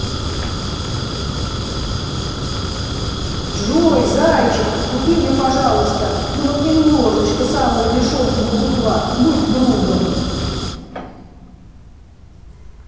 джой зайчик купи мне пожалуйста ну вот немножечко самого дешевого бухла будь другом